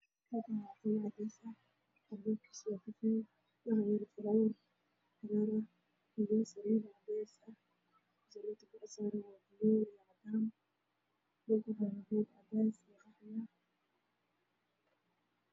Waa qol waxaa yaalo joogaari sariir laba barki ayaa saaran dhulka waa caddaan shumac ayaa geesi yaalo